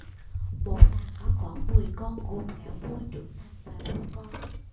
một đàn có khoảng mười con gồm cả voi trưởng thành và voi con